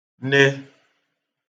ne